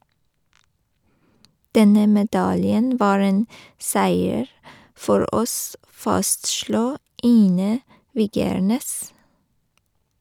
Denne medaljen var en seier for oss , fastslo Ine Wigernæs.